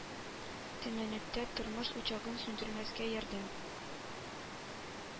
Төмәнәктә тормыш учагын сүндермәскә ярдәм